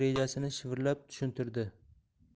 rejasini shivirlab tushuntirdi